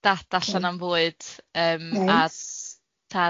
Dad allan am fwyd yym... neis...